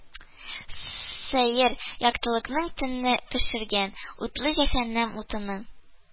Сәер яктылыкны, тенне пешергән утлы җәһәннәм утының